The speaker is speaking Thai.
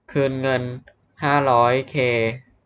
คืนเงินห้าร้อยเค